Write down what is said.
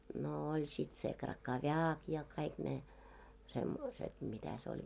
no oli sitten se krakoviak ja kaikki ne semmoiset mitä se oli vielä